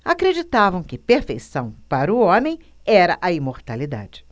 acreditavam que perfeição para o homem era a imortalidade